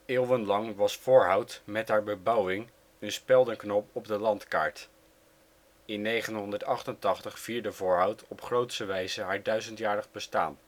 Eeuwenlang was Voorhout met haar bebouwing een speldenknop op de landkaart. In 1988 vierde Voorhout op grootse wijze haar 1000 jarig bestaan